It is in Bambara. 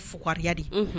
Fug de